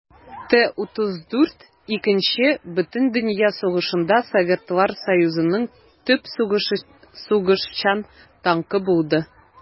Т-34 Икенче бөтендөнья сугышында Советлар Союзының төп сугышчан танкы булды.